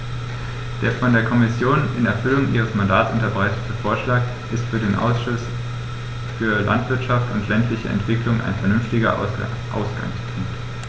Der von der Kommission in Erfüllung ihres Mandats unterbreitete Vorschlag ist für den Ausschuss für Landwirtschaft und ländliche Entwicklung ein vernünftiger Ausgangspunkt.